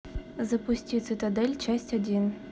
запусти цитадель часть один